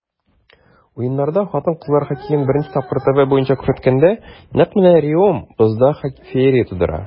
Уеннарда хатын-кызлар хоккеен беренче тапкыр ТВ буенча күрсәткәндә, нәкъ менә Реом бозда феерия тудыра.